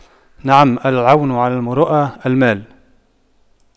نعم العون على المروءة المال